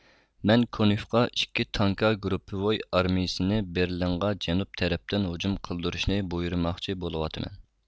مەن كونېفقا ئىككى تانكا گۇرۇپپىۋوي ئارمىيىسىنى بېرلىنغا جەنۇب تەرەپتىن ھۇجۇم قىلدۇرۇشنى بۇيرۇماقچى بولۇۋاتىمەن